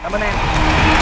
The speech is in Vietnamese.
cám